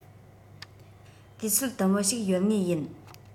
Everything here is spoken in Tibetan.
དུས ཚོད དུམ བུ ཞིག ཡོད ངེས ཡིན